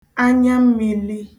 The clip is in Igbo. anyammīlī